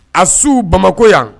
A su Bamako yan